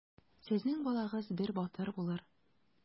Сезнең балагыз бер батыр булыр.